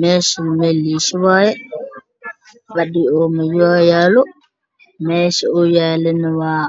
Waa fadhi midabkiisu yahay madow oo leh lugo oo yaalla